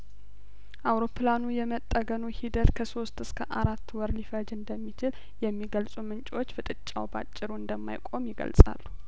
አውሮፕላኑ የመ ጠገኑ ሂደት ከሶስት እስከአራት ወር ሊፈጅ እንደሚችል የሚገልጹ ምንጮች ፍጥጫው በአጭሩ እንደማይቆም ይገልጻሉ